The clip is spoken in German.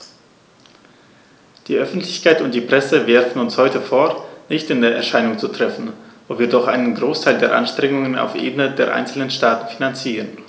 Die Öffentlichkeit und die Presse werfen uns heute vor, nicht in Erscheinung zu treten, wo wir doch einen Großteil der Anstrengungen auf Ebene der einzelnen Staaten finanzieren.